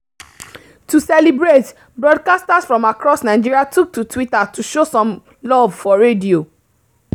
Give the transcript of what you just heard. To celebrate, broadcasters from across Nigeria took to Twitter to show some love for radio: